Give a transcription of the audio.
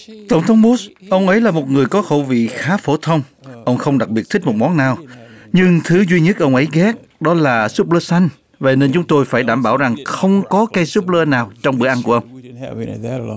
tổng thống bút ông ấy là một người có khẩu vị khá phổ thông ông không đặc biệt thích một món nào nhưng thứ duy nhất ông ấy ghét đó là súp lơ xanh vậy nên chúng tôi phải đảm bảo rằng không có cây súp lơ nào trong bữa ăn của ông